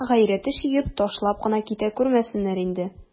Гайрәте чигеп, ташлап кына китә күрмәсеннәр инде.